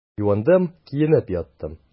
Юындым, киенеп яттым.